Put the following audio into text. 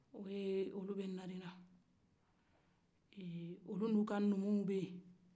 ɛɛ olu bɛ narena olu nu ka numun ben